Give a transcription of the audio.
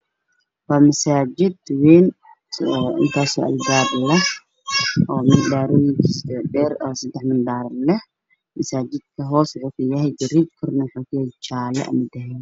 Waa masaajid leh munaasabado dhaadheer saajidka kor wuxuu ka yahay cadaan korna wuxuu ka yahay dahabi